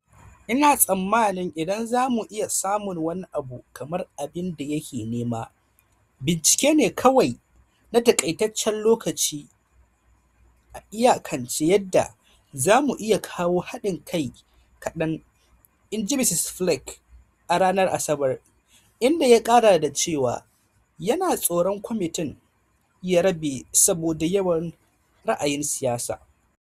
"Ina tsammanin, idan za mu iya samun wani abu kamar abin da yake nema - bincike ne kawai na takaitancen lokaci, a iyakance - yadda za mu iya kawo hadin kai kadan," in ji Mr Flake a ranar Asabar, inda ya kara da cewa yana tsoron kwamitin " ya rabe " saboda yawan ra’ayin siyasa.